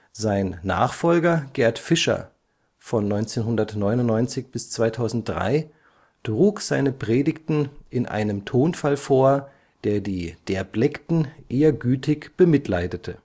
Sein Nachfolger Gerd Fischer (1999 – 2003) trug seine Predigten in einem Tonfall vor, der die „ Derbleckten “eher gütig bemitleidete